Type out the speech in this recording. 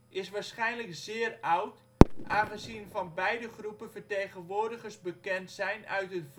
is waarschijnlijk zeer oud, aangezien er van beide groepen vertegenwoordigers bekend zijn uit het